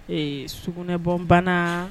Ee sugunɛbɔ banna